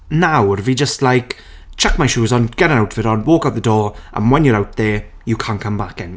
Nawr fi jyst like chuck my shoes on, get an outfit on, walk out the door, and when you're out there you can't come back in.